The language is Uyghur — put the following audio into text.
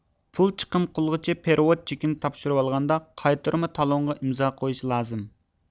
پۇل چىقىم قىلغۇچى پېرېۋوت چېكىنى تاپشۇرۇۋالغاندا قايتۇرما تالونغا ئىمزا قويۇشى لازىم